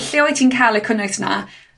lle wyt ti'n cael y cynnwys 'na?